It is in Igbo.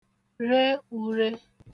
re ūrē